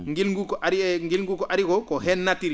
ngilngu ko ari ngilngu ko ari ko ko heen nattiri